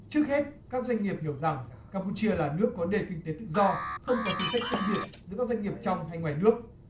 trước hết các doanh nghiệp hiểu rằng cam pu chia là nước có nền kinh tế tự do không có chính sách phân biệt giữa các doanh nghiệp trong hay ngoài nước